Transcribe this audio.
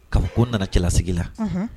Ka ko nana cɛlasigi la